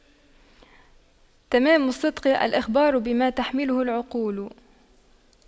تمام الصدق الإخبار بما تحمله العقول